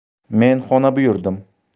men xona buyurdim